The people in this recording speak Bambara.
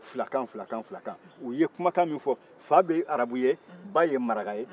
fila kan fila kan fila kan u ye kumakan min fɔ fa ye arabu ye ba ye maraka ye